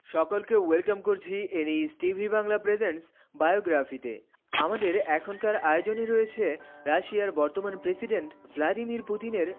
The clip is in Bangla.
সকলকে ওয়েলকাম করছি N TV Bangla present biography তে বায়োগ্রাফিতে আমাদের এখনকার আয়োজনে রয়েছে বর্তমান প্রেসিডেন্ট ভ্লাদিমির পুতিনের